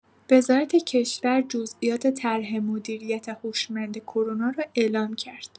وزارت کشور، جزئیات طرح مدیریت هوشمند کرونا را اعلام کرد.